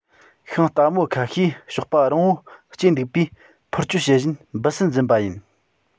ཤིང རྟ མོ ཁ ཤས གཤོག པ རིང པོ སྐྱེས འདུག པས འཕུར སྐྱོད བྱེད བཞིན འབུ སྲིན འཛིན པ ཡིན